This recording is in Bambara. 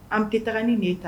An tɛ taa ni nin ta